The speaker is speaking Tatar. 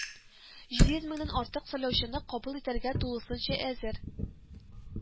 Җиде йөз меңнән артык сайлаучыны кабул итәргә тулысынча әзер